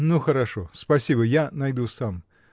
— Ну хорошо, спасибо, я найду сам!